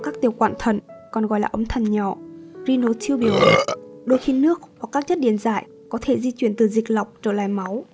các tiểu quản thận còn gọi là ống thận nhỏ đôi khi nước hoặc các điện giải có thể di chuyển từ dịch lọc trở lại máu